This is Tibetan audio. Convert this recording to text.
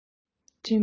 སྤྲིན པ